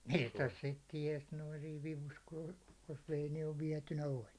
mistäs sitten tiesi noin siinä vivussa kun oli jos vei niin vietynä oli